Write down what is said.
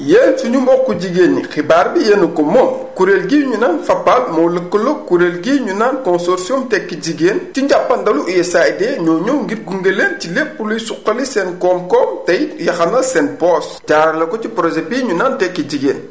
yéen sunu mbokku jigéen ñi xibaar bii yéen a ko moom kuréel gii ñu naan Fapal moo lëkkaloo ak kuréel gii ñu naan consortium tekki jigéen ci njàppandalu UDAID ñoo ñëw ngir gunge leen ci lépp luy suqali seen koom-koom te it yaxanal seen poche jaarale ko ci prjet bii ñu naan tekki jigéen